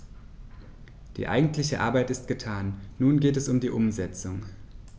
Die eigentliche Arbeit ist getan, nun geht es um die Umsetzung.